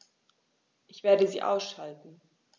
Ich werde sie ausschalten